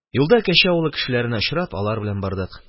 Юлда Кәче авылы кешеләренә очрап, алар белән бардык.